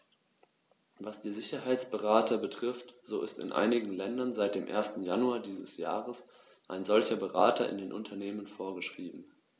Was die Sicherheitsberater betrifft, so ist in einigen Ländern seit dem 1. Januar dieses Jahres ein solcher Berater in den Unternehmen vorgeschrieben.